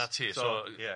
Na ti so ia.